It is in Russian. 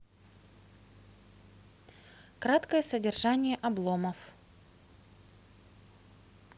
краткое содержание обломов